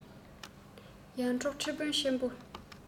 ཡར འབྲོག ཁྲི དཔོན ཆེན པོས